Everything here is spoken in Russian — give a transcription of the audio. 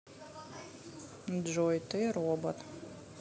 джой ты робот